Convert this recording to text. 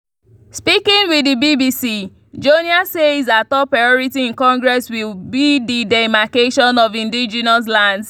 Speaking with the BBC, Joenia says her top priority in Congress will be the demarcation of indigenous lands.